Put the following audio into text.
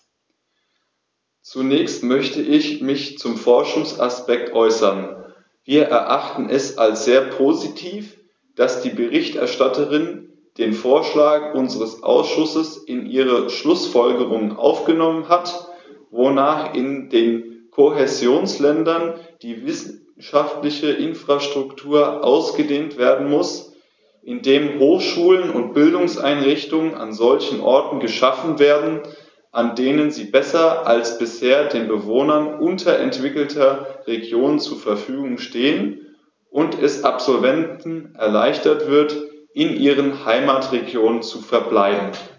Zunächst möchte ich mich zum Forschungsaspekt äußern. Wir erachten es als sehr positiv, dass die Berichterstatterin den Vorschlag unseres Ausschusses in ihre Schlußfolgerungen aufgenommen hat, wonach in den Kohäsionsländern die wissenschaftliche Infrastruktur ausgedehnt werden muss, indem Hochschulen und Bildungseinrichtungen an solchen Orten geschaffen werden, an denen sie besser als bisher den Bewohnern unterentwickelter Regionen zur Verfügung stehen, und es Absolventen erleichtert wird, in ihren Heimatregionen zu verbleiben.